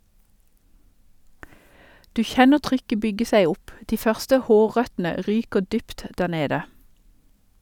Du kjenner trykket bygge seg opp, de første hårrøttene ryker dypt der nede.